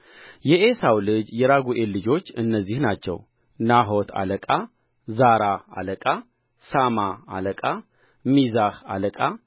የዔሳው ልጅ የራጉኤል ልጆች እነዚህ ናቸው ናሖት አለቃ ዛራ አለቃ ሣማ አለቃ ሚዛህ አለቃ